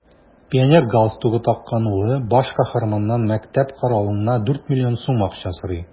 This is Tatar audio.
Пионер галстугы таккан улы баш каһарманнан мәктәп каравылына дүрт миллион сум акча сорый.